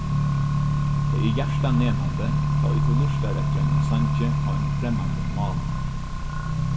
tað er hjartanemandi tá ið tú lurtar eftir einum sangi á einum fremmandum máli